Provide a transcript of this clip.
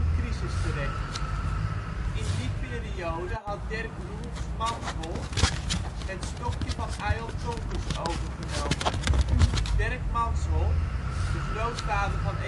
crisis terecht. In die periode had Derk Roelfs Mansholt (1842-1921) het stokje van Ayolt Tonkes overgenomen. Derk Mansholt, de grootvader van